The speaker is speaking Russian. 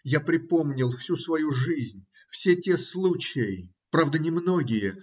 Я припомнил всю свою жизнь, все те случаи, правда, немногие,